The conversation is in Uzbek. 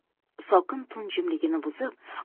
sokin tun jimligini buzib